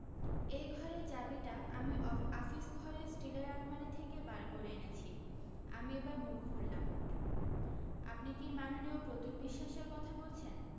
এই ঘরের চাবিটা আমি অ আফিস ঘরের স্টীলের আলমারী থেকে বার করে এনেছি আমি এবার মুখ খুললাম আপনি কী মাননীয় প্রতুল বিশ্বাসের কথা বলছেন